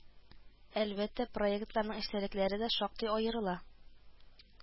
Әлбәттә, проектларның эчтәлекләре дә шактый аерыла